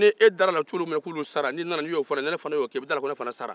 e dara a la cogo min na k'olu sara n'i nana n'i y'o fɔ ne ye ne fana y'o kɛ i bɛ d'a la ko ne fana sara